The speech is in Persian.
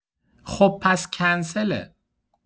خب پس کنسله